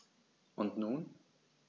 Und nun?